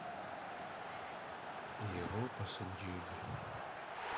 его посадили